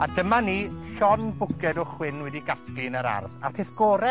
A dyma ni, llond bwced o chwyn wedi gasglu yn yr ardd, a'r peth gore